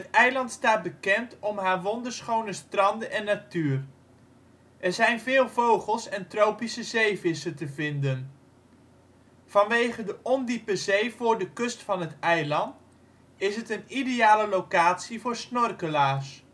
eiland staat bekend om haar wonderschone stranden en natuur. Er zijn veel vogels en tropische zeevissen te vinden. Vanwege de ondiepe zee voor de kust van het eiland is het een ideale locatie voor snorkelaars